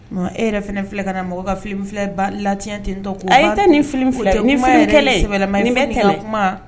Maman e yɛrɛ fana filɛ ka na mɔgɔ ka film filɛ ba latiɲɛn ten tɔ, ayi, nin film keken in, i tɛ nin film filɛ, o tɛ kuma yɛrɛ sɛbɛlaman ye fɔ nin ka kuma.!